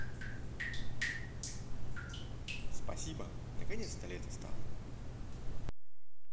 спасибо наконец то лето стало